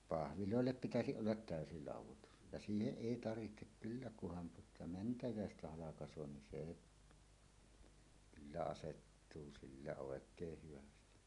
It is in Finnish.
pahveilla pitäisi olla täysi laudoitus ja siihen ei tarvitse kyllä kunhan tuota mänty halkaisee niin se kyllä asettuu sillä oikein hyvin